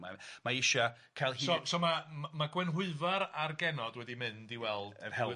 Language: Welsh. Mae mae eisia ca'l hi... So so ma- m- ma' Gwenhwyfar a'r genod wedi mynd i weld yr helfa?